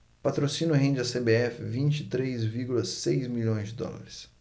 patrocínio rende à cbf vinte e três vírgula seis milhões de dólares